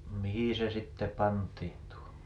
mihin se sitten pantiin tuo